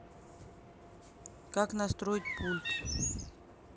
как настроить пульт